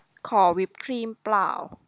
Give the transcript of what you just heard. ขอวิปครีมเปล่า